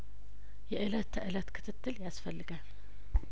የእለት ተእለት ክትትል ያስፈልጋል